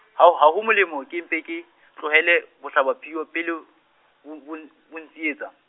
ha ho, ha ho molemo ke mpe ke, tlohele bohlabaphiyo pele, bo, bo n-, bo ntsietsa?